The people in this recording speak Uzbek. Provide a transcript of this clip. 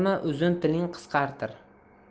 uzun tiling qisqartir